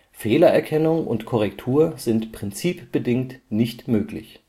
Fehlererkennung und - korrektur sind prinzipbedingt nicht möglich